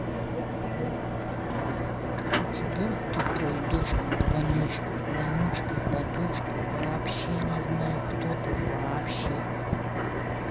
у тебя тупой душка вонючка вонючкой подушкой вообще не знаю кто ты вообще